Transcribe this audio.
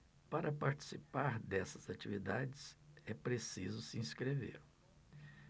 para participar dessas atividades é preciso se inscrever